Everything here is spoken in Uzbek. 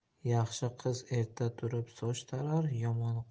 yaxshi qiz erta turib soch tarar